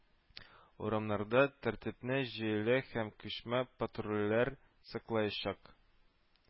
Урамнарда тәртипне җәяүле һәм күчмә патрульләр саклаячак